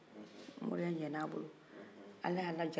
ala y'a la jarabi k'a di minnu ma olu fana b'u ka moriyala